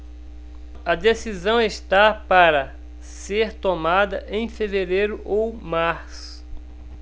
a decisão está para ser tomada em fevereiro ou março